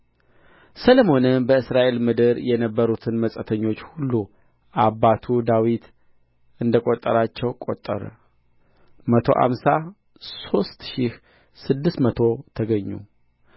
ሰሎሞንም በእስራኤል ምድር የነበሩትን መጻተኞች ሁሉ አባቱ ዳዊት እንደ ቈጠራቸው ቈጠረ መቶ አምሳ ሦስት ሺህ ስድስት መቶ ተገኙ